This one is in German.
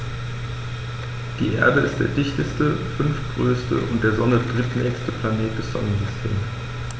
Die Erde ist der dichteste, fünftgrößte und der Sonne drittnächste Planet des Sonnensystems.